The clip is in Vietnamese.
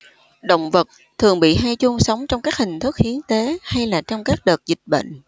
động vật thường bị hay chôn sống trong các hình thức hiến tế hay là trong các đợt dịch bệnh